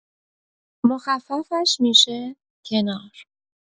مخففش می‌شه «کنار»